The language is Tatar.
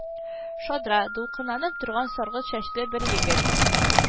Шадра, дулкынланып торган саргылт чәчле бер егет: